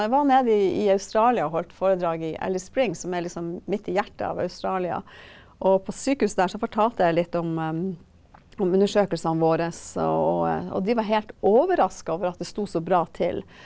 jeg var nede i i Australia og holdt foredrag i Alice Springs som er liksom midt i hjertet av Australia, og på sykehuset der så fortalte jeg litt om om undersøkelsene våre og og og de var helt overraska over at det sto så bra til.